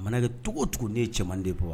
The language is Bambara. Mana kɛ cogo tuguden cɛmanden bɔ